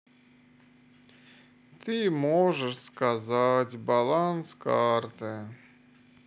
ты можешь сказать баланс карты